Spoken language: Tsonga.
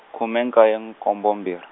khume nkaye nkombo mbirhi.